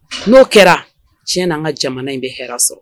N'o kɛra tiɲɛ n' an ka jamana in bɛ hɛrɛɛ sɔrɔ